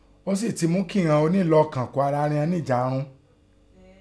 ó sèè ti mú kí ìghọn ọ̀lìlọ̀lò kan kó ara righọn nẹ́ ìjárún.